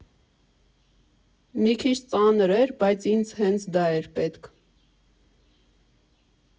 Մի քիչ ծանր էր, բայց ինձ հենց դա էր պետք։